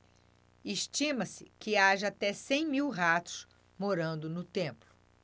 estima-se que haja até cem mil ratos morando no templo